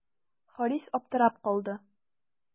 Харис аптырап калды.